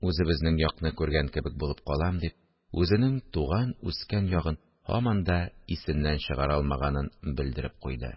Үзебезнең якны күргән кебек булып калам, – дип, үзенең туган-үскән ягын һаман да исеннән чыгара алмаганын белдереп куйды